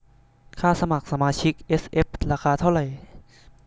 ค่าสมัครสมาชิกเอสเอฟราคาเท่าไหร่